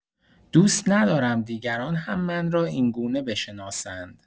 دوست ندارم دیگران هم من را این‌گونه بشناسند.